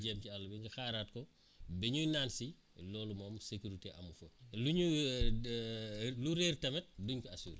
dem ci àll bi nga xaaraat ko bañu naan si loolu moom sécurité amu fa lu ñuy lu réer tamit duñ ko assuré